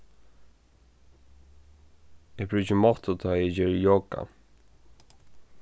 eg brúki mottu tá eg geri joga